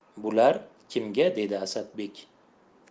bular kimga dedi asadbek